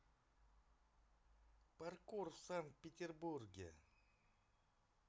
паркур в санкт петербурге